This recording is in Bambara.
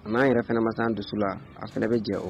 A n'a yɛrɛ fana ma san dusu la a fana bɛ jɛ o